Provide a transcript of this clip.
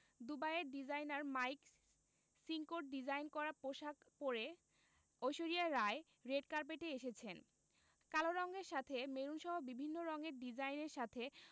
দুবাইয়ের designer Mike সিঙ্কোর design করা পোশাক পরে ঐশ্বরিয়া রাই রেড কার্পেটে এসেছেন কালো রঙের সাথে মেরুনসহ বিভিন্ন রঙের ডিজাইনের সাথে